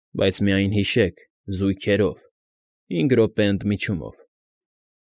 Բայց միայն հիշեք՝ զույգերով, հինգ րոպե ընդմիջումով։